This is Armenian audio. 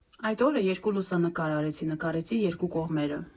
Այդ օրը երկու լուսանկար արեցի՝ նկարեցի երկու կողմերը։